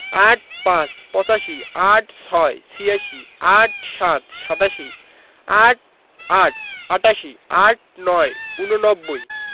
৮৫ পঁচাশি ৮৬ ছিয়াশি ৮৭ সাতাশি ৮৮ আটাশি ৮৯ ঊননব্বই